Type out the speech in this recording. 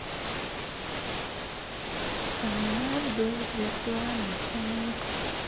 а у нас будет виртуальный секс